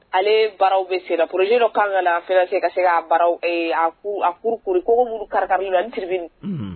Ale baraw bɛ se pze dɔ kan ka ka se a furukogomuru kari na an tiribi